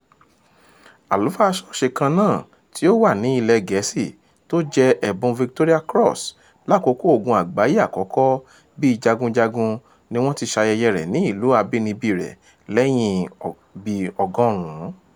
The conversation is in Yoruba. Àlùfáà Sọ́ọ̀sì kannáà tí ó wà ní ilẹ̀ Gẹ́ẹ̀sí tó jẹ ẹ̀bún Victoria Cross lákòókò Ogun Àgbáyé Àkọ́kọ́ bí jagunjagun ni wọn ti ṣayẹyẹ rẹ̀ ní ilú abínibí rẹ́ lẹ́yín bí 100.